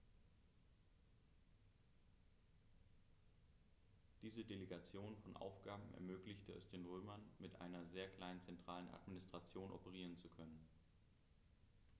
Diese Delegation von Aufgaben ermöglichte es den Römern, mit einer sehr kleinen zentralen Administration operieren zu können.